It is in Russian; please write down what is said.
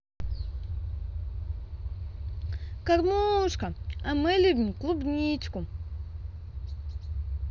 кормушка а мы любим клубничку